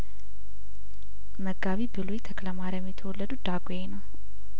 መጋቢ ብሉይተክለማሪያም የተወለዱት ዳጔ ነው